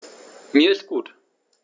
Mir ist gut.